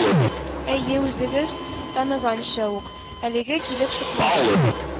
Әйе, үзегез таныганча ук: «Әлегә килеп чыкмады